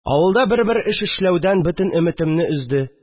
Авылда бер-бер эш эшләүдән бөтен өметемне өзде